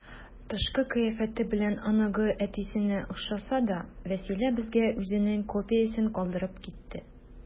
Тышкы кыяфәте белән оныгы әтисенә охшаса да, Вәсилә безгә үзенең копиясен калдырып китте.